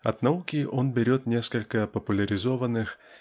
От науки он берет несколько популяризованных